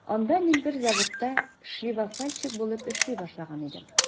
Анда мин бер заводта шлифовальщик булып эшли башлаган идем.